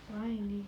vai niin